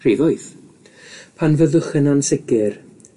Rhif wyth. Pan fyddwch yn ansicir